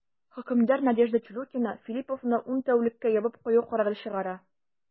Хөкемдар Надежда Чулюкина Филлиповны ун тәүлеккә ябып кую карары чыгара.